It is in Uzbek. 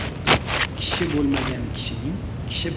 kishi bo'lmagan kishining kishi